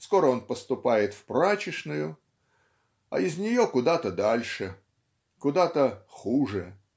скоро он поступает в прачечную а из нее куда-то дальше куда-то хуже.